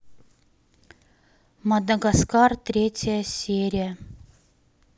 мадагаскар третья серия